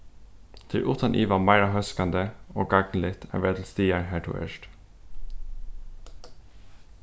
tað er uttan iva meira hóskandi og gagnligt at verða til staðar har tú ert